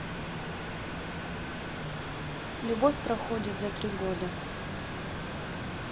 любовь проходит за три года